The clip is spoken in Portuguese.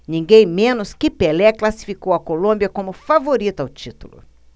ninguém menos que pelé classificou a colômbia como favorita ao título